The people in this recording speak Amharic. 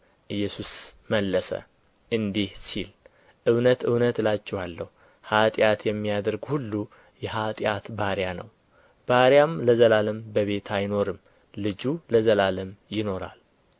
ኢየሱስ መለሰ እንዲህ ሲል እውነት እውነት እላችኋለሁ ኃጢአት የሚያደርግ ሁሉ የኃጢአት ባርያ ነው ባርያም ለዘላለም በቤት አይኖርም ልጁ ለዘላለም ይኖራል